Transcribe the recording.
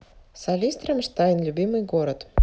солист rammstein любимый город